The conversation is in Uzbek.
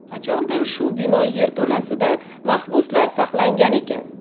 qachondir shu bino yerto'lasida mahbuslar saqlangan ekan